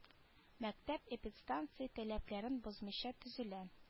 Мәктәп эпидстанция таләпләрен бозмыйча төзелә